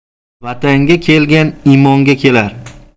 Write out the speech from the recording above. vatanga kelgan imonga kelar